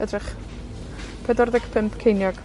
Edrych. Pedwar ddeg pump ceiniog.